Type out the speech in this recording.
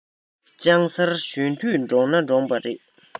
ལྕང གསར གཞོན དུས འདྲོངས ན འདྲོངས པ རེད